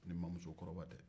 ni mamusokɔrɔba tɛ